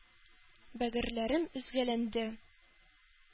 Бәгырьләрем өзгәләнде,